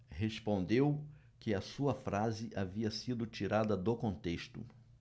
respondeu que a sua frase havia sido tirada do contexto